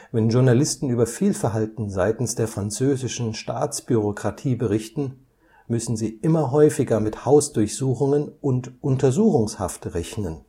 Wenn Journalisten über Fehlverhalten seitens der französischen Staatsbürokratie berichten, müssen sie immer häufiger mit Hausdurchsuchungen und Untersuchungshaft rechnen